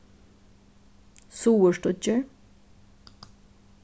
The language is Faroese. suðurstíggjur